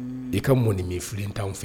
I ka mɔni min filen tan fɛ